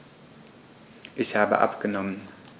Ich habe abgenommen.